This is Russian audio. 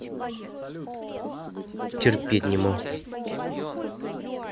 терпеть не могу